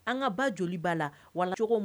An ka ba joliba la wa cogo min